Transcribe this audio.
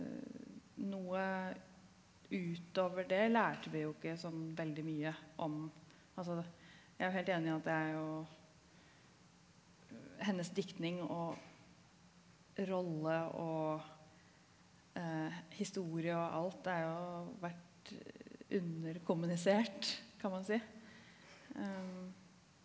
noe utover det lærte vi jo ikke sånn veldig mye om altså jeg er jo helt enig i at det er jo hennes diktning og rolle og historie og alt er jo vært underkommunisert kan man jo si .